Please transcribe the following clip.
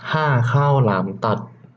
ห้าข้าวหลามตัด